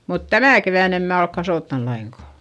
mutta tämä keväänä en minä ole kasvattanut lainkaan